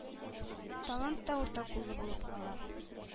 Талант да уртакуллы булып кала.